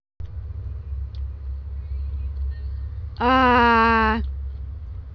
ааа